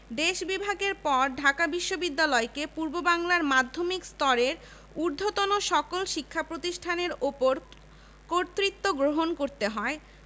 দেশ বিভাগের পর ঢাকা বিশ্ববিদ্যালয়কে পূর্ববাংলার মাধ্যমিক স্তরের ঊধ্বর্তন সকল শিক্ষা প্রতিষ্ঠানের ওপর কর্তৃত্ব গ্রহণ করতে হয়